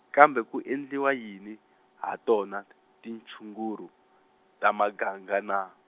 kambe ku endliwa yini, ha tona t-, tinchuguru, ta magaga na?